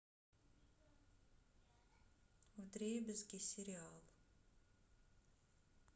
вдребезги сериал